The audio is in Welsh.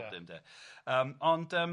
a bob dim 'de yym ond yym